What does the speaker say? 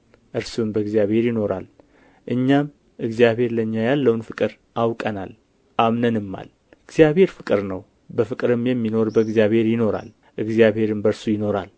እርሱም በእግዚአብሔር ይኖራል እኛም እግዚአብሔር ለእኛ ያለውን ፍቅር አውቀናል አምነንማል እግዚአብሔር ፍቅር ነው በፍቅርም የሚኖር በእግዚአብሔር ይኖራል እግዚአብሔርም በእርሱ ይኖራል